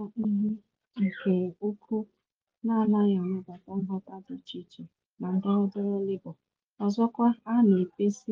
Ọ bụ ihe pụtara ihie nke ukwuu na anaghị anabata nghọta dị iche iche na ndọrọndọrọ Labour, ọzọkwa a na ekpezi